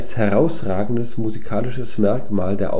herausragendes musikalisches Merkmal der